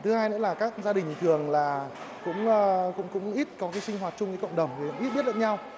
thứ hai nữa là các gia đình thường là cũng a cũng cũng ít có cái sinh hoạt chung với cộng đồng rồi ít biết lẫn nhau